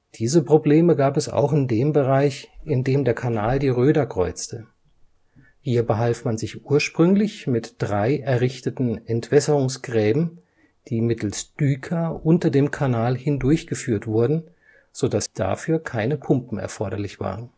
Diese Probleme gab es auch in dem Bereich, in dem der Kanal die Röder kreuzte. Hier behalf man sich ursprünglich mit drei errichteten Entwässerungsgräben die mittels Düker unter dem Kanal hindurch geführt wurden, sodass dafür keine Pumpen erforderlich waren